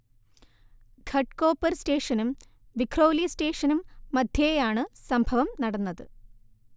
ഘട്കോപർ സ്റ്റേഷനും വിഖ്രോലി സ്റ്റേഷനും മധ്യേയാണ് സംഭവം നടന്നത്